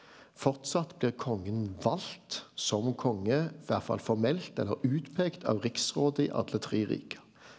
framleis blir kongen valt som konge iallfall formelt eller utpekt av riksrådet i alle tre rike.